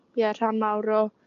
ie rhan mawr o